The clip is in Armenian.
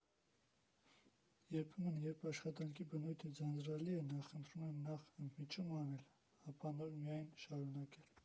Երբեմն, երբ աշխատանքի բնույթը ձանձրալի է, նախընտրում եմ նախ ընդմիջում անել, ապա նոր միայն շարունակել։